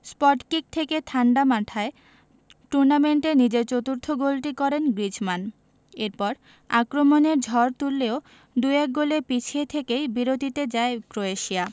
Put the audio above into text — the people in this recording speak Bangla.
স্পটকিক থেকে ঠাণ্ডা মাথায় টুর্নামেন্টে নিজের চতুর্থ গোলটি করেন গ্রিজমান এরপর আক্রমণের ঝড় তুললেও ২ ১ গোলে পিছিয়ে থেকেই বিরতিতে যায় ক্রোয়েশিয়া